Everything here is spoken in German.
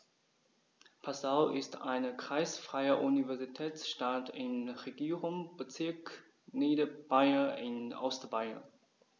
Passau ist eine kreisfreie Universitätsstadt im Regierungsbezirk Niederbayern in Ostbayern.